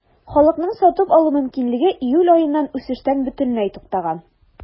Халыкның сатып алу мөмкинлеге июль аеннан үсештән бөтенләй туктаган.